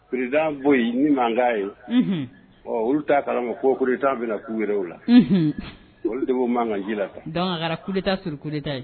Président bɔ yen ni mankan ye. Unhun. Olu t'a kalama ko coup d'Etat bɛna k'u yɛrɛ o la. Unhun. Olu de b'o mankan kan ji la. donc a kɛra coup d'Etat sur coup d'Etat ye.